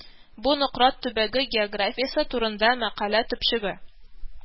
Бу Нократ төбәге географиясе турында мәкалә төпчеге